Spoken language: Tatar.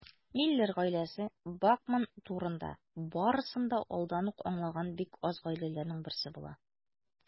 Миллер гаиләсе Бакман турында барысын да алдан ук аңлаган бик аз гаиләләрнең берсе була.